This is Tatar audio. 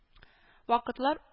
Вакытлар